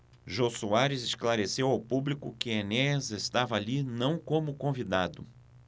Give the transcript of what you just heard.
jô soares esclareceu ao público que enéas estava ali não como convidado